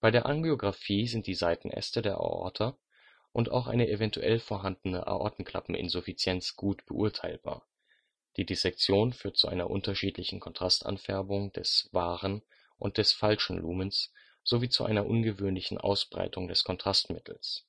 der Angiografie sind die Seitenäste der Aorta und auch eine evtl. vorhandene Aortenklappeninsuffizienz gut beurteilbar, die Dissektion führt zu einer unterschiedlichen Kontrastanfärbung des wahren und des falschen Lumens sowie zu einer ungewöhnlichen Ausbreitung des Kontrastmittels